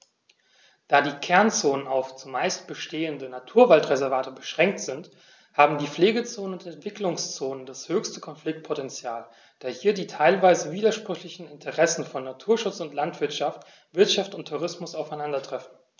Da die Kernzonen auf – zumeist bestehende – Naturwaldreservate beschränkt sind, haben die Pflegezonen und Entwicklungszonen das höchste Konfliktpotential, da hier die teilweise widersprüchlichen Interessen von Naturschutz und Landwirtschaft, Wirtschaft und Tourismus aufeinandertreffen.